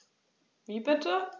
Wie bitte?